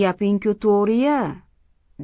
gaping ku to'g'ri ya